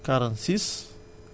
46 46